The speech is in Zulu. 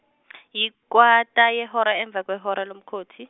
yikwata yehora emva kwehora lomkhothi.